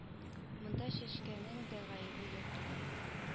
Монда чәчкәнең дә гаебе юк түгел